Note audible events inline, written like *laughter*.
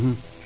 *hesitation* *hesitation*